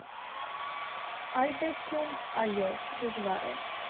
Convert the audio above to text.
Այդ դեպքում, այո՛, դժվար է։